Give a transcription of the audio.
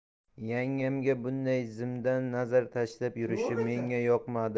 yangamga bunday zimdan nazar tashlab yurishi menga yoqmadi